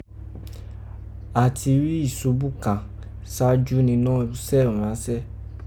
ati ri isubu kàn saaju ninọ́ usẹ́ iranse.